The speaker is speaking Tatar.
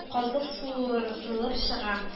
Казык суырылып чыга